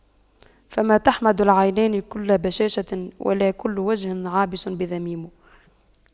فما تحمد العينان كل بشاشة ولا كل وجه عابس بذميم